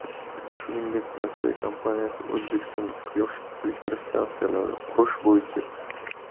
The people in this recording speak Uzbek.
shuningdek rossiya kompaniyasi o'zbekistonda quyosh elektrostansiyalari qurish